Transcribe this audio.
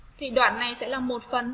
trích đoạn này sẽ là một phần